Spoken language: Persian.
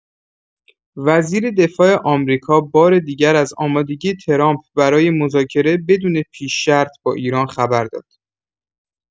وزیر دفاع آمریکا بار دیگر از آمادگی ترامپ برای مذاکره بدون پیش‌شرط با ایران خبر داد.